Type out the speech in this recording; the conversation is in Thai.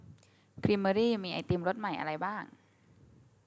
ครีมเมอรี่มีไอติมรสใหม่อะไรบ้าง